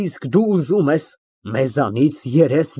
Իսկ դու ուզում ես երես դարձնել մեզանից։